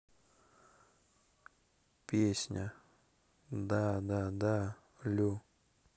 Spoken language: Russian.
песня да да да лю